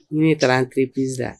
Nin ne aara entreprise la.